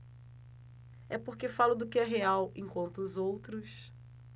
é porque falo do que é real enquanto os outros